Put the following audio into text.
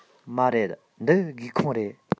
མ རེད འདི སྒེའུ ཁུང རེད